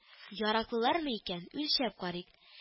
Яраклылармы икән— үлчәп карыйк